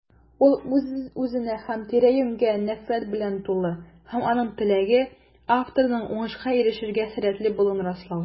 Ул үз-үзенә һәм тирә-юньгә нәфрәт белән тулы - һәм аның теләге: авторның уңышка ирешергә сәләтле булуын раслау.